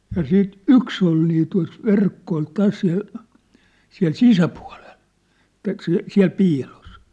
ja sitten yksi oli niin tuossa verkko oli tässä ja siellä sisäpuolella että - siellä piilossa